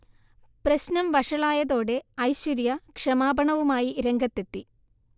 പ്രശ്നം വഷളായതോടെ ഐശ്വര്യ ക്ഷമാപണവുമായി രംഗത്ത് എത്തി